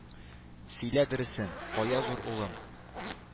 Сөйлә дөресен, кая зур улым?